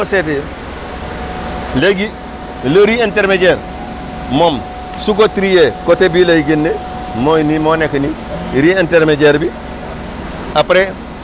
léegi boo seetee léegi le riz intermédiare moom su ko trillé côté bii lay génnee moo ngi nii moo nekk nii riz intermédiare bi